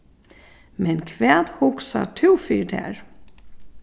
men hvat hugsar tú fyri tær